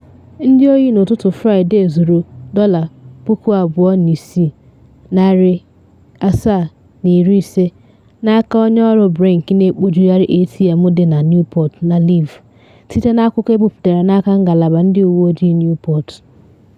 Ndị oyi n’ụtụtụ Fraịde zuru $26,750 n’aka onye ọrụ Brink na ekpojugharị ATM dị na Newport na Levee, site na akụkọ ebuputere n’aka Ngalaba Ndị Uwe Ojii Newport.